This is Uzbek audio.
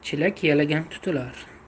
chelak yalagan tutilar